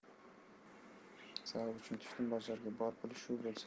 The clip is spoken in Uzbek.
savob uchun tushdim bozorga bor puli shu bo'lsa